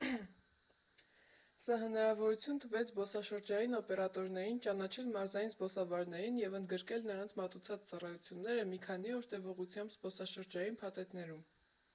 Սա հնարավորություն տվեց զբոսաշրջային օպերատորներին ճանաչել մարզային զբոսավարներին և ընդգրկել նրանց մատուցած ծառայությունները մի քանի օր տևողությամբ զբոսաշրջային փաթեթներում։